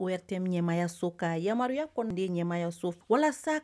Oya tɛ ɲamamayaso ka yamaruyaya kɔniden ɲamaya so walasa